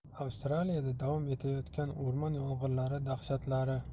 avstraliyada davom etayotgan o'rmon yong'inlari dahshatlari